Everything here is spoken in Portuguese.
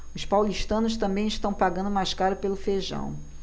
os paulistanos também estão pagando mais caro pelo feijão